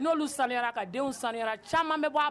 N'olu ka denw sanu caman bɛ